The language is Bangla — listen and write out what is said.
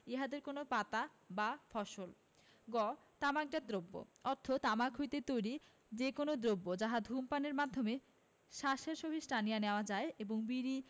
বা উহাদের কোন পাতা বা ফসল গ তামাকজাত দ্রব্য অর্থ তামাক হইতে তৈরী যে কোন দ্রব্য যাহা ধূমপানের মাধ্যমে শ্বাসের সহিত টানিয়া নেওয়া যায় এবং বিড়ি